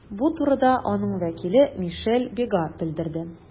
Бу турыда аның вәкиле Мишель Бега белдерде.